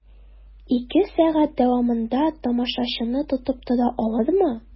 Ике сәгать дәвамында тамашачыны тотып тора алырмы?